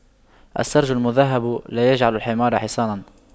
السَّرْج المُذهَّب لا يجعلُ الحمار حصاناً